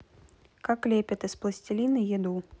как лепят из пластилина еду